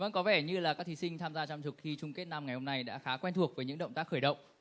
vâng có vẻ như là các thí sinh tham gia trong cuộc thi chung kết năm ngày hôm nay đã khá quen thuộc với những động tác khởi động